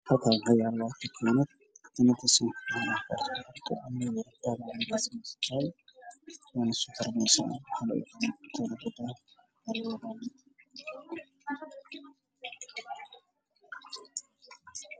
meeshaan waxaa yaala kattinad dahabi ah